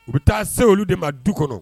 U bɛ taa se olu de ma du kɔnɔ